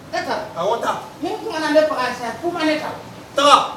Ne taa a taa ni kuma na ne faga sa kuma ne ta taa